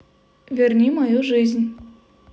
верни мою жизнь